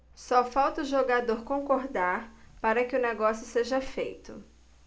só falta o jogador concordar para que o negócio seja feito